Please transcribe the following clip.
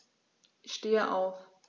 Ich stehe auf.